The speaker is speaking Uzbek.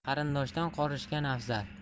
qarindoshdan qorishgan afzal